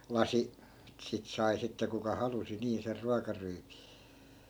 lasi sitä sai sitten kuka halusi niin sen ruokaryypyn